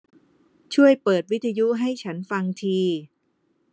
ช่วยเปิดวิทยุให้ฉันฟังที